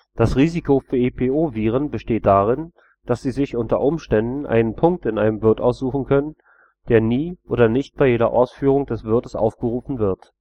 Das Risiko für EPO-Viren besteht darin, dass sie sich unter Umständen einen Punkt in einem Wirt aussuchen können, der nie oder nicht bei jeder Ausführung des Wirtes aufgerufen wird